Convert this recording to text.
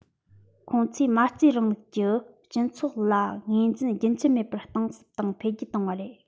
ཁོང ཚོས མ རྩའི རིང ལུགས སྤྱི ཚོགས ལ ངོས འཛིན རྒྱུན ཆད མེད པར གཏིང ཟབ དང འཕེལ རྒྱས བཏང བ རེད